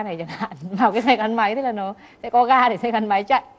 này chẳng hạn xe gắn máy là nó sẽ có ga để xe gắn máy chạy